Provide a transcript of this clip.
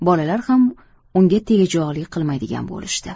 bolalar ham unga tegajog'lik qilmaydigan bo'lishdi